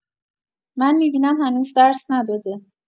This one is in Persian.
من می‌بینم هنوز درس نداده